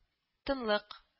Тынлык